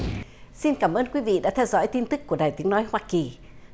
xin cảm ơn quý vị đã theo dõi tin tức của đài tiếng nói hoa kỳ